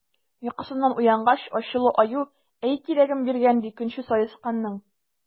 Йокысыннан уянгач, ачулы Аю әй кирәген биргән, ди, көнче Саесканның!